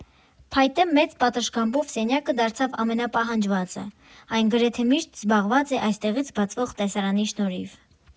Փայտե մեծ պատշգամբով սենյակը դարձավ ամենապահանջվածը, այն գրեթե միշտ զբաղված է այստեղից բացվող տեսարանի շնորհիվ։